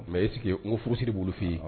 Mɛ e sigi n furusiri bolo fɔ yen